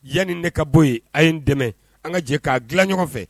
Yanni de ka bɔ ye a' ye dɛmɛ an ka jɛ k'a dilan ɲɔgɔn fɛ